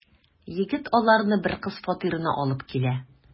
Егет аларны бер кыз фатирына алып килә.